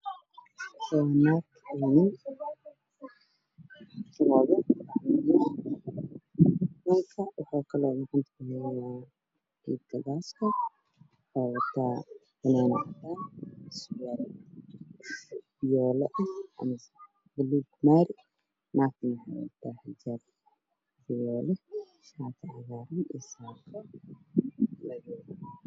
Waxaa ii muuqda naago iyo niman aruurinaayo qashinka waxa ayna ku shubayaan bac madow oo weyn waxa ayna geynayaan meesha qashinka lagu guubo